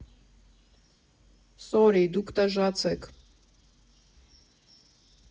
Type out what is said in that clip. Սորի, դուք տժժացեք։